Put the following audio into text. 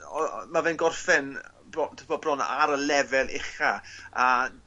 o- ma' fe'n gorffen bro- t'bod bron ar y lefel ucha a